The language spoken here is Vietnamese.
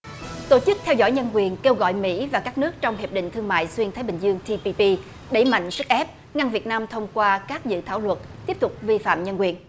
tổ chức theo dõi nhân quyền kêu gọi mỹ và các nước trong hiệp định thương mại xuyên thái bình dương ti pi pi đẩy mạnh sức ép ngăn việt nam thông qua các dự thảo luật tiếp tục vi phạm nhân quyền